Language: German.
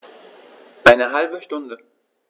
Eine halbe Stunde